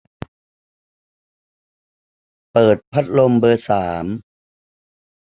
เปิดพัดลมเบอร์สาม